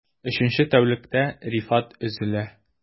Өченче тәүлектә Рифат өзелә...